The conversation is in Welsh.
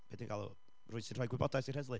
be dwi'n galwn, rywun sy'n rhoi gwybodaeth i'r heddlu.